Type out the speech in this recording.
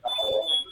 A